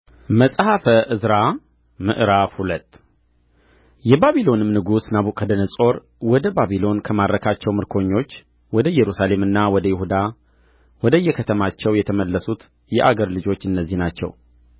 መጽሐፈ ዕዝራ ምዕራፍ ሁለት የባቢሎንም ንጉሥ ናቡከደነፆር ወደ ባቢሎን ከማረካቸው ምርኮኞች ወደ ኢየሩሳሌምና ወደ ይሁዳ ወደ እየከተማቸው የተመለሱት የአገር ልጆች እነዚህ ናቸው